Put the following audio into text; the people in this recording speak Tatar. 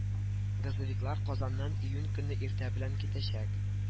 Газовиклар казаннан июнь көнне иртә белән китәчәк